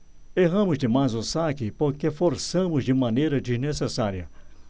erramos demais o saque porque forçamos de maneira desnecessária